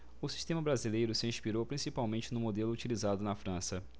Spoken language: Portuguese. o sistema brasileiro se inspirou principalmente no modelo utilizado na frança